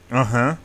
Unhhun